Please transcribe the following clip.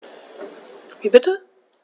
Wie bitte?